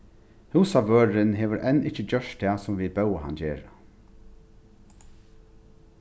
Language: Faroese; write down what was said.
húsavørðurin hevur enn ikki gjørt tað sum vit bóðu hann gera